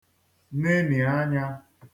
nenị̀ anyā